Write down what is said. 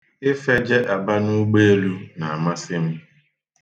Ịfeje Aba n'ụgbeelu na-amasị m.